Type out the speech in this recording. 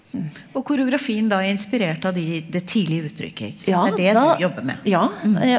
og koreografien da er inspirert av de det tidlige uttrykket ikke sant, det er det du jobber med .